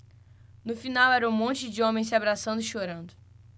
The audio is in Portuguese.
no final era um monte de homens se abraçando e chorando